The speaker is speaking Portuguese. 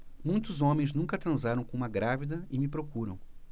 muitos homens nunca transaram com uma grávida e me procuram